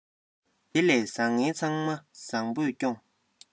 དེ ལས བཟང ངན ཚང མ བཟང པོས སྐྱོངས